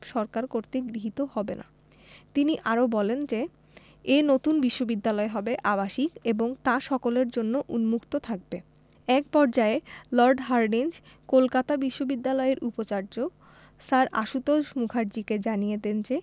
সরকার কর্তৃক গৃহীত হবে না তিনি আরও বলেন যে এ নতুন বিশ্ববিদ্যালয় হবে আবাসিক এবং তা সকলের জন্য উন্মুক্ত থাকবে এক পর্যায়ে লর্ড হার্ডিঞ্জ কলকাতা বিশ্ববিদ্যালয়ের উপাচার্য স্যার আশুতোষ মুখার্জীকে জানিয়ে দেন যে